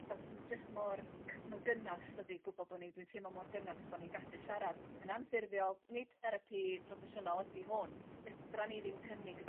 t'od ma' jyst mor c- ma'n gynas dydi gwbo bo' ni'n... Dwi'n teimlo mor gynas bo' ni'n gallu siarad yn anffurfiol nid therapi proffesiynol ydi hwn fedran ni ddim cynnig y